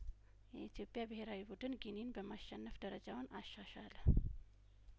የኢትዮጵያ ብሄራዊ ቡድን ጊኒን በማሸነፍ ደረጃውን አሻሻለ